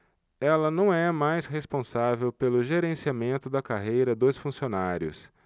ela não é mais responsável pelo gerenciamento da carreira dos funcionários